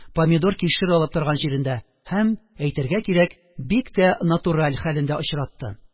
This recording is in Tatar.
Помидор-кишер алып торган җирендә һәм, әйтергә кирәк, бик тә натураль хәлендә очратты.